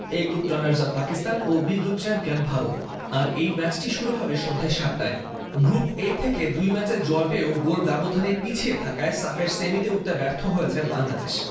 এ group runners up Pakistan B group champion Bharat আর এই ম্যাচটি শুরু হবে সন্ধ্যে সাতটায় গ্রুপে এ থেকে দুই ম্যাচে জয় পেয়েও গোল ব্যবধানে পিছিয়ে থাকায় সাফের সেমিতে ব্যর্থ হয়েছে বাংলাদেশ